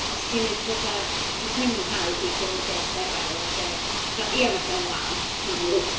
Os ti'n wneud petha... Fatha 'swn i'm yn mwynhau gweithio mewn lle sterile a lle... Fatha, ia ma'r lle'n lân, yn amlwg!